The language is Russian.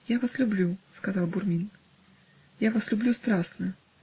"Я вас люблю, -- сказал Бурмин, -- я вас люблю страстно.